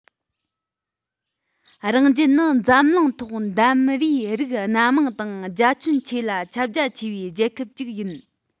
རང རྒྱལ ནི འཛམ གླིང ཐོག འདམ རའི རིགས སྣ མང དང རྒྱ ཁྱོན ཆེ ལ ཁྱབ རྒྱ ཆེ བའི རྒྱལ ཁབ ཅིག ཡིན